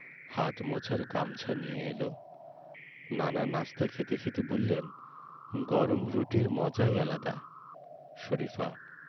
হাত মোছার গামছা নিয়ে এলো নানা নাশতা খেতে খেতে বললেন গরম রুটির মজাই আলাদা শরিফা